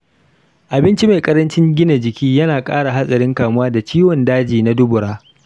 abinci mai karancin gina jiki yana kara hatsarin kamuwa da ciwon daji na dubura.